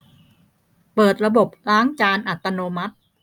เปิดระบบล้างจานอัตโนมัติ